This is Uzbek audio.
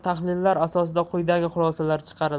tahlillar asosida quyidagi xulosalar chiqarildi